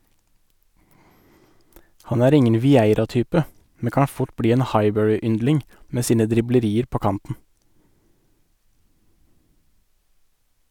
Han er ingen Vieira-type, men kan fort bli en Highbury-yndling med sine driblerier på kanten.